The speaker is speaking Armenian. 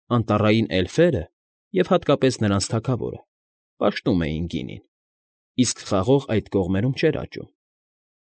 Անտառայիան էլֆերը, և հատկապես նրանց թագավորը, պաշտում էին գինին, իսկ խաղող այդ կոմղերում չէր աճում։